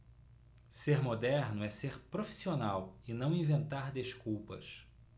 ser moderno é ser profissional e não inventar desculpas